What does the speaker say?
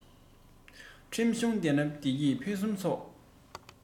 ཁྲིམས གཞུང ལྡན ན བདེ སྐྱིད ཕུན སུམ ཚོགས